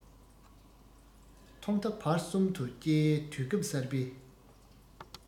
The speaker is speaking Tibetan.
ཐོག མཐའ བར གསུམ དུ བཅས དུས སྐབས གསར པའི